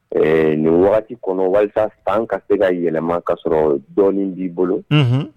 Ɛɛ nin waati kɔnɔ, walas san ka se ka yɛlɛma k'a sɔrɔ dɔɔnin b'i bolo, unhun.